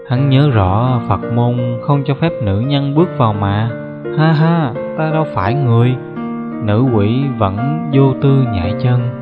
hắn nhớ rõ phật môn không cho phép nữ nhân bước vào mà haha ta đâu phải người nữ quỷ vẫn vô tư nhảy chân